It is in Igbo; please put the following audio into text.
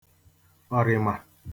ọ̀rị̀mà